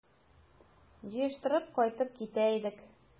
Җыештырып кайтып китә идек...